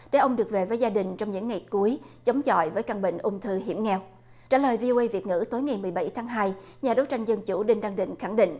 để ông được về với gia đình trong những ngày cuối chống chọi với căn bệnh ung thư hiểm nghèo trả lời vi ô ây việt ngữ tối ngày mười bảy tháng hai nhà đấu tranh dân chủ đinh đăng định khẳng định